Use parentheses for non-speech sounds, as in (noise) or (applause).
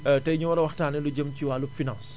(hesitation) tey ñu war a waxtaanee lu jëm ci wàllu finance